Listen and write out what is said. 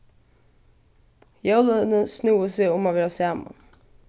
jólini snúði seg um at vera saman